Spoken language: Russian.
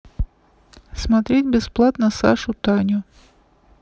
смотреть бесплатно сашу таню